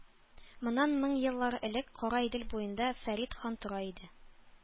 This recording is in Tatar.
Моннан мең еллар элек Кара Идел буенда Фәрит хан тора иде.